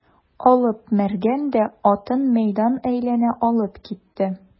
Алып Мәргән дә атын мәйдан әйләнә алып китте.